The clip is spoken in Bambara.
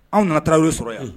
Anw ma tagayɔrɔ sɔrɔ hali bi.